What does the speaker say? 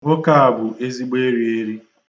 Nwoke a bụ ezigbo erieri.